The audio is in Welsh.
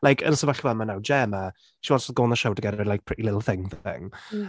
Like yn y sefyllfa yma nawr, Gemma, she wants to go on the show to get her like a pretty little thing thing.